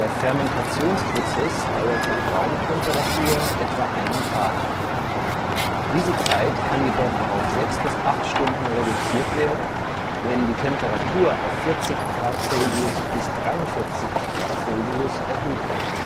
Fermentationsprozess dauert bei Raumtemperatur etwa einen Tag, diese Zeit kann jedoch auf sechs bis acht Stunden reduziert werden, wenn die Temperatur auf 40 °C bis 43 °C erhöht wird